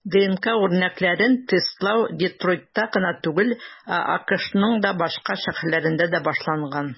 ДНК үрнәкләрен тестлау Детройтта гына түгел, ә АКШның башка шәһәрләрендә дә башланган.